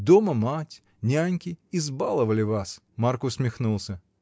Дома мать, няньки избаловали вас. Марк усмехнулся.